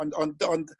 Ond ond ond